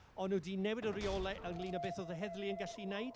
O nhw 'di newid y rheolau ynglyn â beth oedd y heddlu yn gallu wneud.